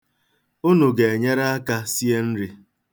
Unu ga-enyere aka sie nri.